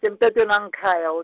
emtatweni wangekhaya ho-.